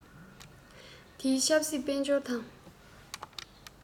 དེའི ཆབ སྲིད དཔལ འབྱོར དང